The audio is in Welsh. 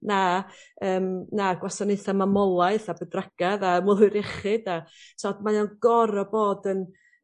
Na yym na gwasanaetha' mamolaeth a bydwragadd a iechyd a t'wod mae' o'n gor'o' bod yn